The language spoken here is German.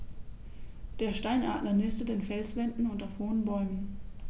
Der Steinadler nistet in Felswänden und auf hohen Bäumen.